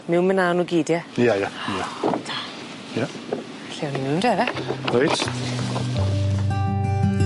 Miwn myn' na o'n n'w gyd ie? Ia ia. Waw da. Ia. 'Lly ewn ni miwn de yfe? Reit.